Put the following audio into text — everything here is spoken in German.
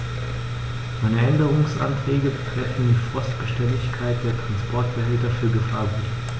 Meine Änderungsanträge betreffen die Frostbeständigkeit der Transportbehälter für Gefahrgut.